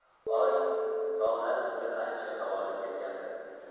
oy tog'lar uzra ancha havolab ketgandi